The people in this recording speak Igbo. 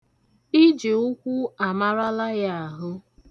Iji ukwu amarala ya ahụ.